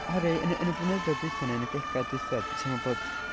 oherwydd yn y- yn y blynyddoedd diwethaf neu yn y degawd diwethaf, dwi'n teimlo bod...